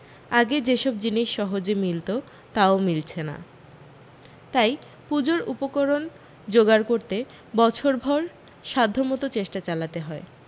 আগে যে সব জিনিস সহজে মিলত তাও মিলছে না তাই পূজোর উপকরণ জোগাড় করতে বছরভর সাধ্যমত চেষ্টা চালাতে হয়